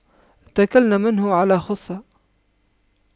اتَّكَلْنا منه على خُصٍّ